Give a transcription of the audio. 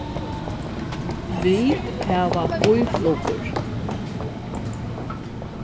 vit hava býflugur